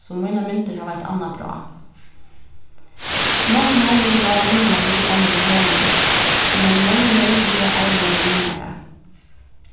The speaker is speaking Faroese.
so mínar myndir hava eitt annað brá nonnurnar vilja hava menninar við oman í hølini men menninir vilja ei vera við meira